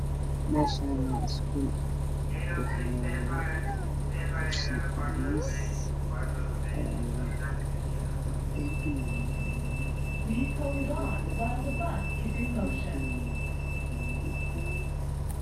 Meshan waa iskul waxyalo kursi io miis oo alwax ah dhulkan waa mutuleel wan cadan darbigan waa cadan io jale